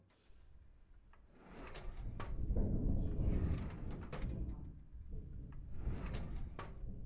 у тебя есть тема